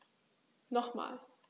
Nochmal.